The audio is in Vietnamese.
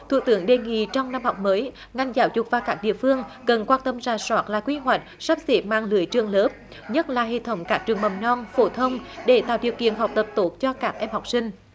thủ tướng đề nghị trong năm học mới ngành giáo dục và các địa phương cần quan tâm rà soát lại quy hoạch sắp xếp mang lưới trường lớp nhất là hệ thống các trường mầm non phổ thông để tạo điều kiện học tập tốt cho các em học sinh